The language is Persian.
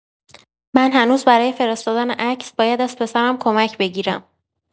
من هنوز برای فرستادن عکس باید از پسرم کمک بگیرم.